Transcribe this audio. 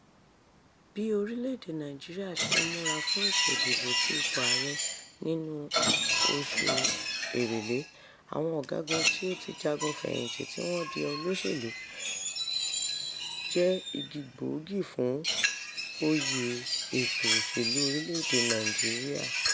Bí orílẹ̀-èdè Nàìjíríà ṣe ń múra fún ètò ìdìbò sí ipò Ààrẹ nínú Oṣù Èrèlé, àwọn ọ̀gágun tí ó ti jagun fẹ̀yìntì tí wọn di olóṣèlú, jẹ́ igi gbòógì fún òye ètò òṣèlú orílẹ̀-èdè Nàìjíríà.